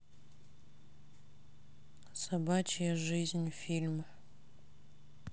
собачья жизнь фильм